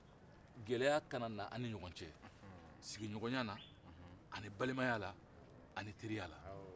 gɛlɛya kana na an ni ɲɔgɔn cɛ sigiɲɔgɔnya la ani balimaya la ani teriya la